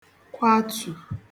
kwatù